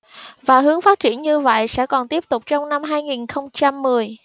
và hướng phát triển như vậy sẽ còn tiếp tục trong năm hai nghìn không trăm mười